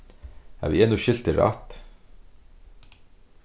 havi eg nú skilt teg rætt